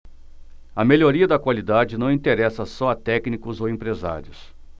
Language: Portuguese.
a melhoria da qualidade não interessa só a técnicos ou empresários